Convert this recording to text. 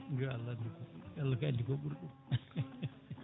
yo Allah * tan ko Allah kay andi ko ɓuuri ɗum